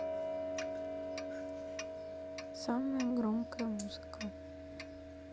самая громкая музыка